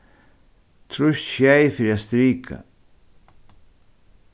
trýst sjey fyri at strika